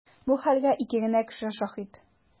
Бу хәлгә ике генә кеше шаһит.